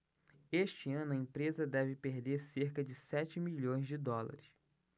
este ano a empresa deve perder cerca de sete milhões de dólares